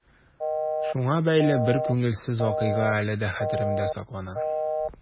Шуңа бәйле бер күңелсез вакыйга әле дә хәтеремдә саклана.